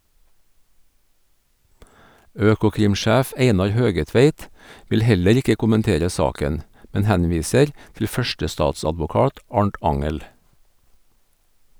Økokrim-sjef Einar Høgetveit vil heller ikke kommentere saken, men henviser til førstestatsadvokat Arnt Angell.